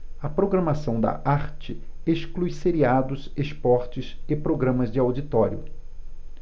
a programação da arte exclui seriados esportes e programas de auditório